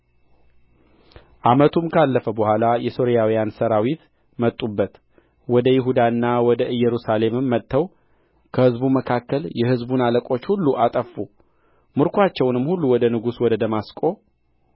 ዓመቱም ካለፈ በኋላ የሶርያውያን ሠራዊት መጡበት ወደ ይሁዳና ወደ ኢየሩሳሌምም መጥተው ከሕዝቡ መካከል የሕዝቡን አለቆች ሁሉ አጠፉ ምርኮአቸውንም ሁሉ ወደ ንጉሡ ወደ ደማስቆ